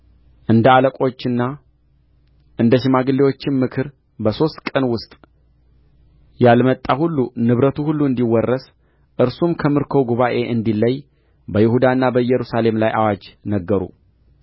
እንደ አለቆቹና እንደ ሽማግሌዎችም ምክር በሦስት ቀን ውስጥ ያልመጣ ሁሉ ንብረቱ ሁሉ እንዲወረስ እርሱም ከምርኮው ጉባኤ እንዲለይ በይሁዳና በኢየሩሳሌም ላይ አዋጅ ነገሩ